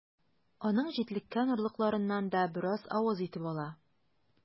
Аның җитлеккән орлыкларыннан да бераз авыз итеп ала.